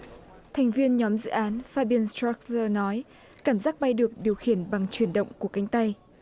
thành viên nhóm dự án phai biên sờ tróc gơ nói cảm giác bay được điều khiển bằng chuyển động của cánh tay